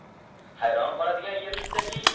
hayron qoladigan yeri shundaki